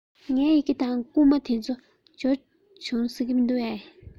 ངའི ཡི གེ དང བསྐུར མ དེ ཚོ འབྱོར བྱུང ཟེར གྱི མི འདུག གས